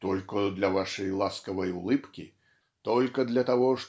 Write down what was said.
"Только для вашей ласковой улыбки только для того